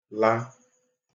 -la